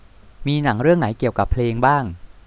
มีหนังเรื่องไหนเกี่ยวกับเพลงบ้าง